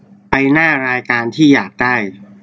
ไปหน้ารายการที่อยากได้